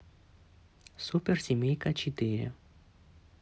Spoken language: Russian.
супер семейка четыре